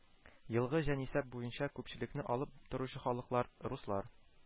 Елгы җанисәп буенча күпчелекне алып торучы халыклар: руслар